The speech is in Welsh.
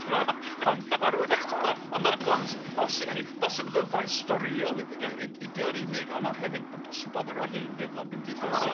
Ti wbod ond ma' rywyn e- t'mo' on' ma' bo- s- bosi- hynny bosib ddyfais storiol i- i-... Ia. ...i- ydi o yn unig on' ma' hefyd by- bosib bod 'na ryw hen ddefod gymdeithasol... Diddorol.